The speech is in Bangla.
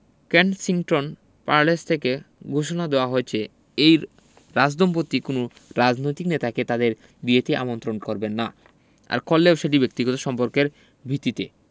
কেনসিংটন প্যালেস থেকে ঘোষণা দেওয়া হয়েছে এই রাজদম্পতি কোনো রাজনৈতিক নেতাকে তাঁদের বিয়েতে নিমন্ত্রণ করবেন না আর করলেও সেটি ব্যক্তিগত সম্পর্কের ভিত্তিতে